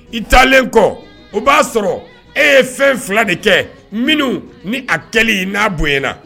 I taalen kɔ o b'a sɔrɔ e ye fɛn fila de kɛ, minnu ni a kɛli n'a bonya na